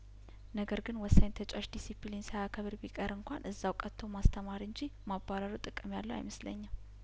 ነገር ግን ወሳኝ ተጫዋች ዲስፒሊን ሳያከብር ቢቀር እንኳን እዛው ቀጥቶ ማስተማር እንጂ ማባረሩ ጥቅም ያለው አይመስለኝም